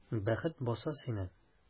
Бәхет баса сине!